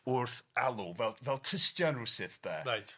Wrth alw fel fel tystion rywsut de. Reit.